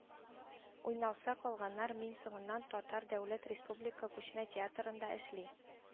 Уйналса, калганнары, мин соңыннан татар дәүләт республика күчмә театрында эшли